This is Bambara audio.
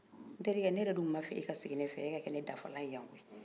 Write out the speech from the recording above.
n terikɛ ne yɛrɛ dun tun b'a fɛ e ka sigin ne fɛ ka kɛ ne dafalan ye yan koyi